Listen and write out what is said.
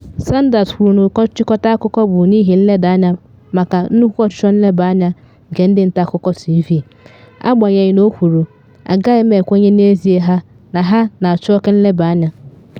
Sanders kwuru na ụkọ nchịkọta akụkọ bụ n’ihi nleda anya maka “nnukwu ọchụchọ nlebanye anya” nke ndị nta akụkọ TV,” agbanyeghi na o kwuru: “Agaghị m ekwenye n’ezie ha na ha na achọ oke nlebanye anya.”